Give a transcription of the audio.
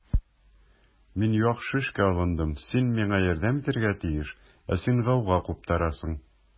Мин яхшы эшкә алындым, син миңа ярдәм итәргә тиеш, ә син гауга куптарасың.